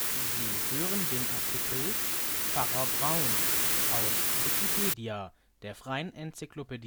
Sie hören den Artikel Pfarrer Braun, aus Wikipedia, der freien Enzyklopädie